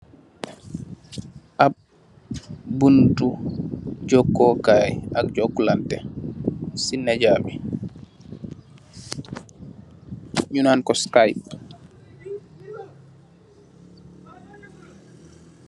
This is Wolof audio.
Am buntu jokokai ak jokoleko Kai ci media bi ñi nan ko Skype.